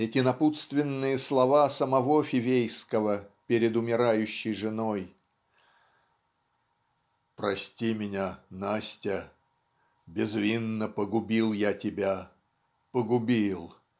эти напутственные слова самого Фивейского перед умирающей женой "Прости меня, Настя. Безвинно погубил я тебя. Погубил.